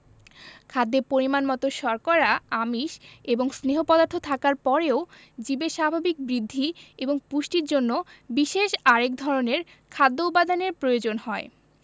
খাদ্যে পরিমাণমতো শর্করা আমিষ এবং স্নেহ পদার্থ থাকার পরেও জীবের স্বাভাবিক বৃদ্ধি এবং পুষ্টির জন্য বিশেষ আরেক ধরনের খাদ্য উপাদানের প্রয়োজন হয়